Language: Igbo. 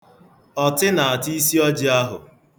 Ọtị na-ata isiọjị ahụ.